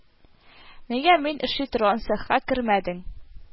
Нигә мин эшли торган цехка кермәдең